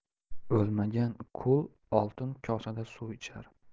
o'lmagan qui oltin kosada suv ichar